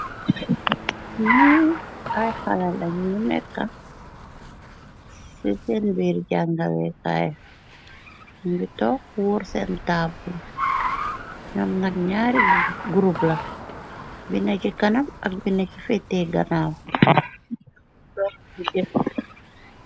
Nuy ay xala la ñu nekk ci seen biir jangalekaay ngi tokk wuur seen taabu ñoom ndak ñaari gurub la bina ci kanab ak bina ci fetee ganaawf.